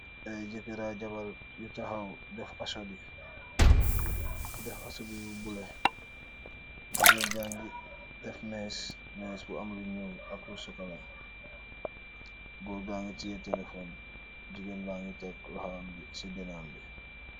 Ay jëkker rak jabar yu tahaw def asubi yu bulo. Jigeen jàngi def mes, mees bu am lu ñuul ak lu sokola. Goor gangi te tè telefon. Jigéen bàngi tekk lohom bi ci denam bi.